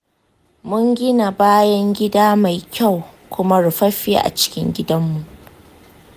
mun gina bayan gida mai kyau kuma rufaffe acikin gidanmu.